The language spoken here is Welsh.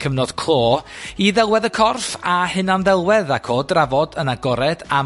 cyfnod clo i ddelwedd y corff a hunanddelwedd, ac o drafod yn agored am